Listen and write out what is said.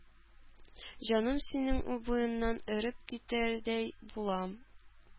Җаным, синең үбүеңнән эреп китәрдәй булам.